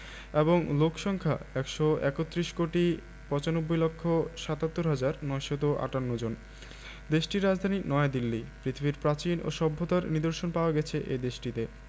এবং লোক সংখ্যা ১৩১ কোটি ৯৫ লক্ষ ৭৭ হাজার ৯৫৮ জনদেশটির রাজধানী নয়াদিল্লী পৃথিবীর প্রাচীন ও সভ্যতার নিদর্শন পাওয়া গেছে এ দেশটিতে